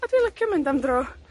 A dwi licio mynd am dro,